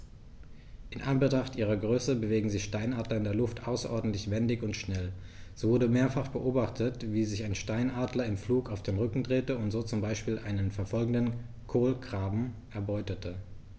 In Anbetracht ihrer Größe bewegen sich Steinadler in der Luft außerordentlich wendig und schnell, so wurde mehrfach beobachtet, wie sich ein Steinadler im Flug auf den Rücken drehte und so zum Beispiel einen verfolgenden Kolkraben erbeutete.